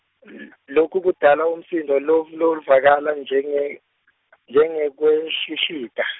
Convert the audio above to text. l- loku kudala umsindvo lov- lovakala njenge njengewekuhlihlita.